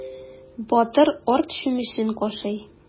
Батыр арт чүмечен кашый.